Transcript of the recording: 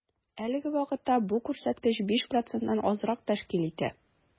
Әлеге вакытта бу күрсәткеч 5 проценттан азрак тәшкил итә.